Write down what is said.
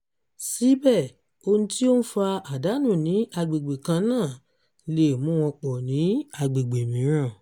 Síbẹ̀, ohun tí ó ń fa àdánù ní agbègbè kan náà lè mú wọn pọ̀ ní agbègbè mìíràn.